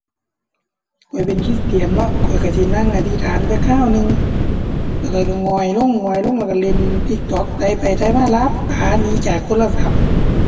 ข้อยเป็นคริสเตียนเนาะ ข้อยก็สินั่งอธิษฐานจักคราวหนึ่งแล้วข้อยก็หง้อยลงหง้อยลงแล้วก็เล่น TikTok ไถไปไถมาหลับป๋าหนีจากโทรศัพท์